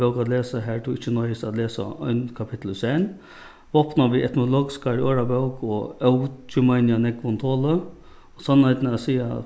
bók at lesa har tú ikki noyðist at lesa ein kapittul í senn vápnað við etymologiskari orðabók og ógemeina nógvum toli og sannheitina at siga